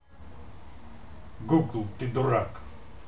google ты дурак